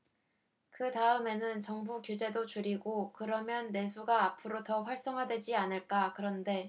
그 다음에는 정부 규제도 줄이고 그러면 내수가 앞으로 더 활성화되지 않을까 그런데